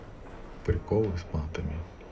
приколы с матами